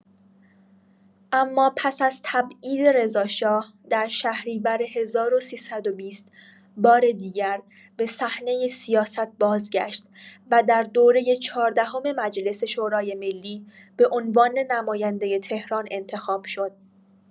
اما پس از تبعید رضاشاه در شهریور ۱۳۲۰، بار دیگر به صحنه سیاست بازگشت و در دوره چهاردهم مجلس شورای‌ملی به‌عنوان نماینده تهران انتخاب شد.